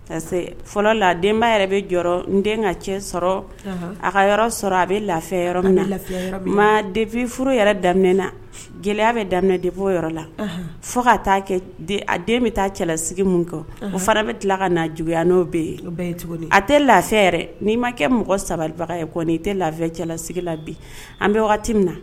Parce fɔlɔ la denbaya yɛrɛ bɛ jɔ n den ka cɛ sɔrɔ a ka yɔrɔ sɔrɔ a bɛ lafi yɔrɔ min na lafi ma de bɛ furu yɛrɛ daminɛ na gɛlɛya bɛ daminɛ de bɔ yɔrɔ la fo ka a den bɛ taa cɛlalasigi min kan o fara bɛ tila ka na juguya n'o bɛ yen a tɛ lafi yɛrɛ n'i ma kɛ mɔgɔ sababaga ye kɔni i tɛ lafi cɛlasigi la bi an bɛ wagati min na